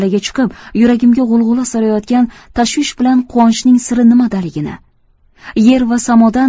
chiqib yuragimga g'ulg'ula solayotgan tashvish bilan quvonchning siri nimadaligini yer va samodan